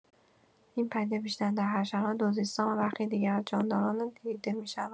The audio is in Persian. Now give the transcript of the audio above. این پدیده بیشتر در حشرات، دوزیستان و برخی دیگر از جانداران دیده می‌شود.